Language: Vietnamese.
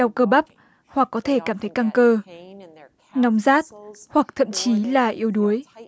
đau cơ bắp hoặc có thể cảm thấy căng cơ nằm sát hoặc thậm chí là yếu đuối